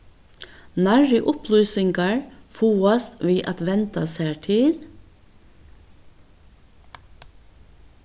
nærri upplýsingar fáast við at venda sær til